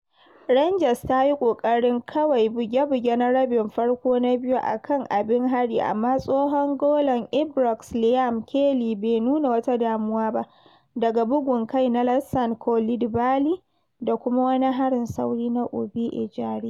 Rangers ta yi ƙoƙarin kawai buge-buge na rabin farko na biyu a kan abin hari amma tsohon golan Ibrox Liam Kelly bai nuna wata damuwa ba daga bugun kai na Lassana Coulibaly da kuma wani harin sauri na Ovie Ejaria.